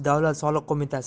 davlat soliq qo'mitasi raisi